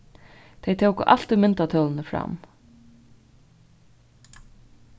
tey tóku altíð myndatólini fram